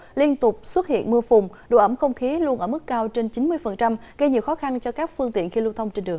liên tục xuất hiện mưa phùn độ ẩm không khí luôn ở mức cao trên chín mươi phần trăm gây nhiều khó khăn cho các phương tiện khi lưu thông trên đường